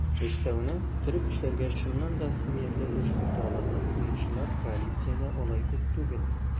Өстәвенә, тере көчләргә чыннан да әһәмиятле өлеш кертә алырлык уенчылар коалициядә алай күп түгел.